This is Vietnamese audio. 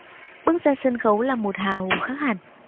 bước ra sân khấu là một hà hồ khác hẳn